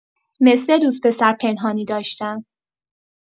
مثل دوست‌پسر پنهانی داشتن